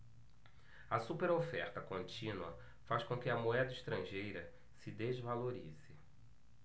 a superoferta contínua faz com que a moeda estrangeira se desvalorize